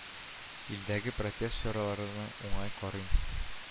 Илдәге протест чараларына уңай карыйм